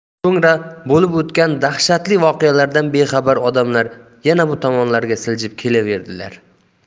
so'ngra bo'lib o'tgan dahshatli voqealardan bexabar odamlar yana bu tomonlarga siljib kelaverdilar